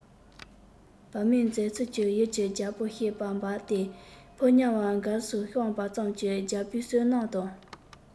བག མེད མཛད ཚུལ གྱིས ཡུལ གྱི རྒྱལ པོ ཤེས པ འབར ཏེ ཕོ ཉ བ འགུགས སུ བཤམས པ ཙམ གྱིས རྒྱལ པོའི བསོད ནམས དང